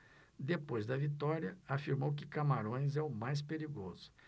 depois da vitória afirmou que camarões é o mais perigoso